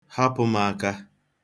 Hapụ m aka!